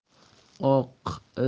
oq it qora